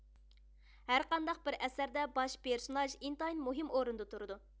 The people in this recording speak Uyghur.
ھەرقانداق بىر ئەسەردە باش پېرسوناژ ئىنتايىن مۇھىم ئورۇندا تۇرىدۇ